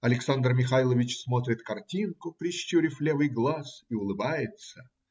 Александр Михайлович смотрит картинку, прищурив левый глаз, и улыбается.